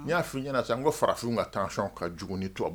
N y'afin i ɲɛnaɲɛna sisan n ko farafin ka taa sɔn ka jugu ni to